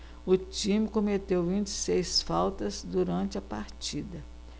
o time cometeu vinte e seis faltas durante a partida